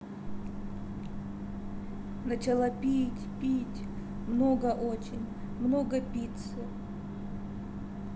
начала пить пить много очень много пиццы